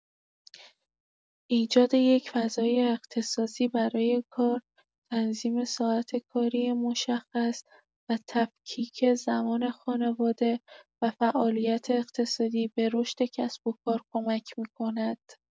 ایجاد یک فضای اختصاصی برای کار، تنظیم ساعت کاری مشخص و تفکیک زمان خانواده و فعالیت اقتصادی به رشد کسب‌وکار کمک می‌کند.